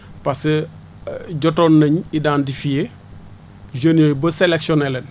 parce que jotoon nañu identifier jeunes yooyu ba sellectionné leen